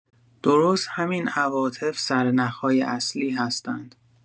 درست همین عواطف سرنخ‌های اصلی هستند.